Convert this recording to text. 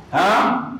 Hɔn